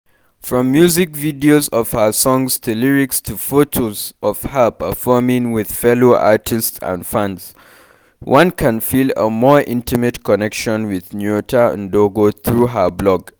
From music videos of her songs to lyrics to photos of her performing with fellow artists and fans, one can feel a more intimate connection with Nyota Ndogo through her blog.